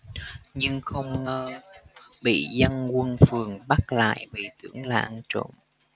nhưng không ngơ bị dân quân phường bắt lại vì tưởng là ăn trộm